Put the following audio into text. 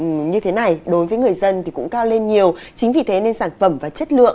như thế này đối với người dân thì cũng cao lên nhiều chính vì thế nên sản phẩm và chất lượng